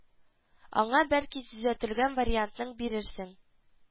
Аңа бәлки төзәтелгән вариантын бирерсең